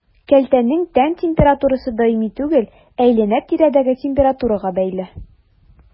Кәлтәнең тән температурасы даими түгел, әйләнә-тирәдәге температурага бәйле.